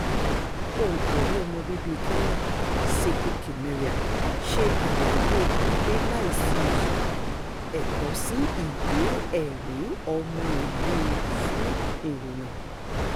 Òǹkọ̀wée ọmọbíbíi Kenya Ciku Kimeria ṣe àlàyé gbígbé láìsí iyì "ẹ̀tọ́ sí ìwé-ẹ̀rí-ọmọìlú-fún-ìrìnnà".